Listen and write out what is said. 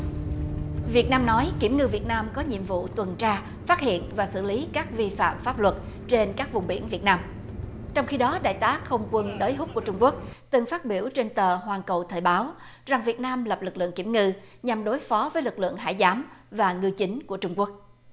việt nam nói kiểm ngư việt nam có nhiệm vụ tuần tra phát hiện và xử lý các vi phạm pháp luật trên các vùng biển việt nam trong khi đó đại tá không quân đới húc của trung quốc từng phát biểu trên tờ hoàn cầu thời báo rằng việt nam lập lực lượng kiểm ngư nhằm đối phó với lực lượng hải giám và ngư chính của trung quốc